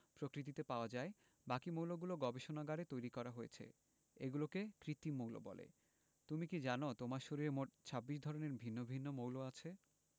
প্রকৃতিতে পাওয়া যায় বাকি মৌলগুলো গবেষণাগারে তৈরি করা হয়েছে এগুলোকে কৃত্রিম মৌল বলে তুমি কি জানো তোমার শরীরে মোট ২৬ ধরনের ভিন্ন ভিন্ন মৌল আছে